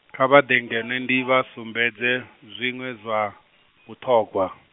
kha vha ḓe ngeno ndi vha sumbedze, zwiṅwe zwa , vhuṱhogwa.